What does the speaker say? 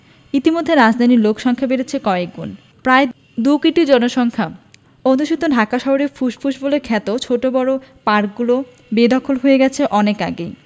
ইতোমধ্যে রাজধানীর লোকসংখ্যা বেড়েছে কয়েকগুণ প্রায় দুকোটি জনসংখ্যা অধ্যুষিত ঢাকা শহরের ফুসফুস বলে খ্যাত ছোট বড় পার্কগুলো বেদখল হয়ে গেছে অনেক আগেই